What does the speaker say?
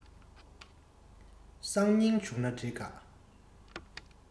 སང ཉིན བྱུང ན འགྲིག ག